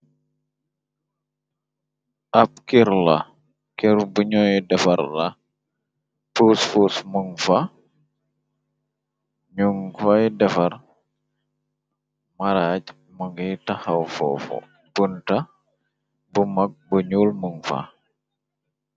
Ab kër la kër buñooy defar la pus pus mung fa ñun faye defar maraaj mungi tahaw foofu bunta bu mag bu ñuul mung fa.